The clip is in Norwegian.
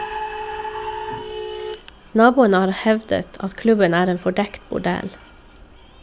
Naboene har hevdet at klubben er en fordekt bordell.